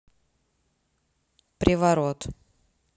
приворот